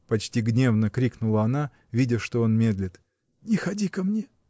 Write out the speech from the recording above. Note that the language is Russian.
— почти гневно крикнула она, видя, что он медлит, — не ходи ко мне.